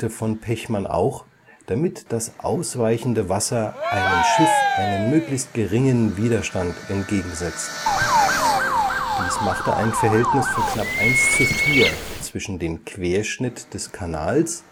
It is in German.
von Pechmann auch, damit das ausweichende Wasser einem Schiff einen möglichst geringen Widerstand entgegensetzt. Dies machte ein Verhältnis von knapp 1:4 zwischen dem Querschnitt des Kanals